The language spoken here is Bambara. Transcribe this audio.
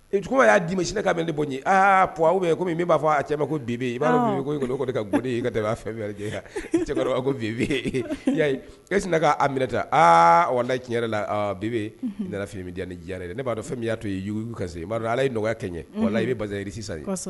I tɔgɔ y'a dii ma sini ne ka bɛ ne bɔ aaa p ye kɔmi b'a fɔ a cɛ ma ko bibi b'a i ka g b'a fɛn a v v ya k'a minɛ ta aa wala tiɲɛ yɛrɛ la bibe i nana min ni yɛrɛ ne b'a dɔn fɛn min y'a to i yugu'a ala ye nɔgɔyaya kɛ la i bɛyi sisan